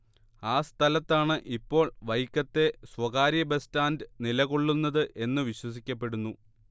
ആ സ്ഥലത്താണ് ഇപ്പോൾ വൈക്കത്തെ സ്വകാര്യ ബസ് സ്റ്റാന്റ് നിലകൊള്ളുന്നത് എന്ന് വിശ്വസിക്കപ്പെടുന്നു